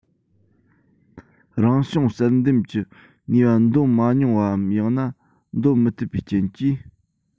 རང བྱུང བསལ འདེམས ཀྱི ནུས པ འདོན མ མྱོང བའམ ཡང ན འདོན མི ཐུབ པའི རྐྱེན གྱིས